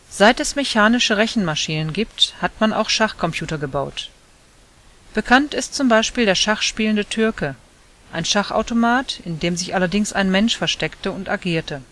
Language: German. Seit es mechanische Rechenmaschinen gibt, hat man auch Schachcomputer gebaut. Bekannt ist zum Beispiel der Schachspielende Türke, ein Schachautomat, in dem sich allerdings ein Mensch versteckte und agierte